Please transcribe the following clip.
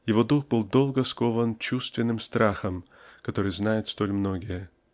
Его дух был долго скован чувственным страхом который знают столь многие.